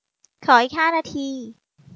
ขออีกห้านาที